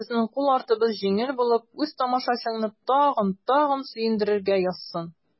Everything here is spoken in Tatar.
Безнең кул артыбыз җиңел булып, үз тамашачыңны тагын-тагын сөендерергә язсын.